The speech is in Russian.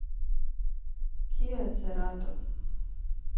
киа церато